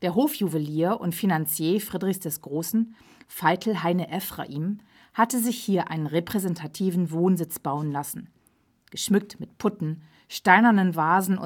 Hofjuwelier und Finanzier Friedrichs des Großen, Veitel Heine Ephraim, hatte sich hier einen repräsentativen Wohnsitz bauen lassen, geschmückt mit Putten, steinernen Vasen